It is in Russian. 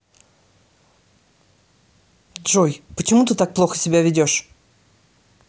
джой почему так плохо себя ведешь